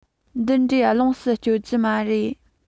དེ འདྲའི ལོངས སུ སྤྱོད རྒྱུ མ རེད